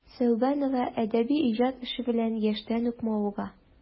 Сәүбанова әдәби иҗат эше белән яшьтән үк мавыга.